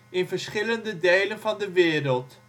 in verschillende delen van de wereld